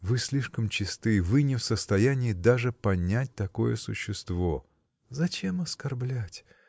Вы слишком чисты, вы не в состоянии даже понять такое существо. -- Зачем оскорблять!